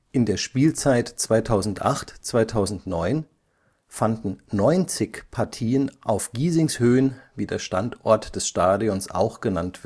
In der Spielzeit 2008/09 fanden 90 Partien auf Giesings Höhen, wie der Standort des Stadions auch genannt